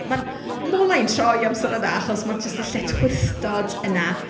Mae'n mola i'n troi amser yna achos mae jyst y lletchwithdod yna.